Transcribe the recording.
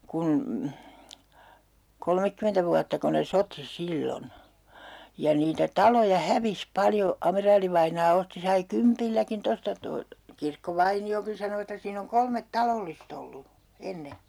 kun kolmekymmentä vuottako ne soti silloin ja niitä taloja hävisi paljon amiraalivainaa osti sai kympilläkin tuosta tuon Kirkkovainiokin sanoi että siinä on kolme talollista ollut ennen